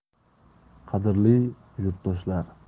qadrli yurtdoshlar